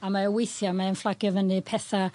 A mae o weithia' mae e'n fflagio fynnu petha